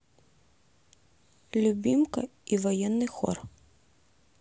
любимка и военный хор